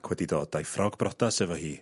...wedi dod â'i ffrog brodas efo hi